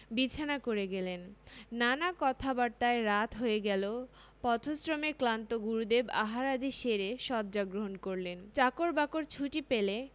বিছানা করে গেলেন নানা কথাবার্তায় রাত হয়ে গেল পথশ্রমে ক্লান্ত গুরুদেব আহারাদি সেরে শয্যা গ্রহণ করলেন চাকর বাকর ছুটি পেলে